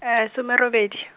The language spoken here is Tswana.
some robedi.